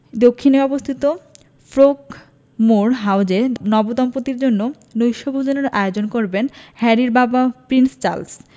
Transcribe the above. দক্ষিণে অবস্থিত ফ্রোগমোর হাউসে নবদম্পতির জন্য নৈশভোজের আয়োজন করবেন হ্যারির বাবা প্রিন্স চার্লস